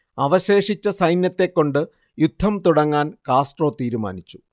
അവശേഷിച്ച സൈന്യത്തെക്കൊണ്ടു യുദ്ധം തുടങ്ങാൻ കാസ്ട്രോ തീരുമാനിച്ചു